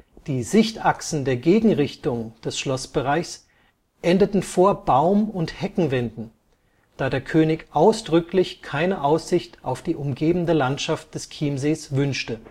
Die Sichtachsen der Gegenrichtung des Schlossbereichs endeten vor Baum - und Heckenwänden, da der König ausdrücklich keine Aussicht auf die umgebende Landschaft des Chiemsees wünschte